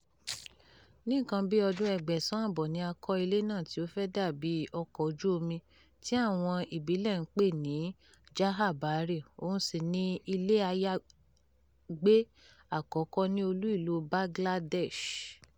Ní nǹkan bíi ọdún-un 1870 ni a kọ́ ilé náà tí ó fẹ́ẹ́ dà bíi ọkọ̀ ojú-omi, tí àwọn ọmọ ìbílẹ̀ ń pè ní "Jahaj Bari", òun sì ni ilé àyágbé àkọ́kọ́ ni olú-ìlúu Bangladesh.